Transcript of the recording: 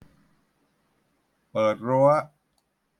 เปิดรั้ว